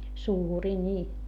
suuria niin